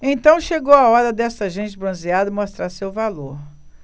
então chegou a hora desta gente bronzeada mostrar seu valor